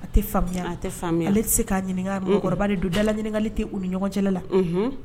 A tɛ faamuya, a tɛ faamuya, ale tɛ se k'a ɲininka mɔgɔ kɔrɔba de don dalaɲininkali tɛ u ni ɲɔgɔncɛla la, unhun